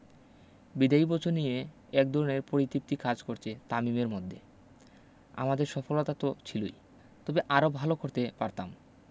বিদায়ী বছর নিয়ে একধরনের পরিতিপ্তি কাজ করছে তামিমের মধ্যে আমাদের সফলতা তো ছিলই তবে আরও ভালো করতে পারতাম